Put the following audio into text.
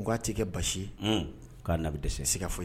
Ko k'a tɛ basi ye k'a na dɛsɛ se se ka fɔ